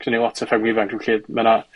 cewn ni lot o ffermwyr fanc rhyw lle ma' 'na